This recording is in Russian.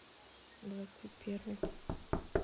двадцать первый